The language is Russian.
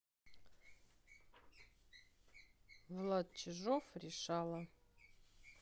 влад чижов решала